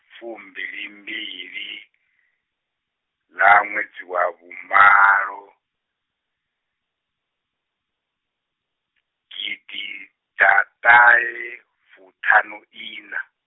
fumbilimbili, ḽa ṅwedzi wa vhumalo, gidiḓaṱahefuṱhanuiṋa.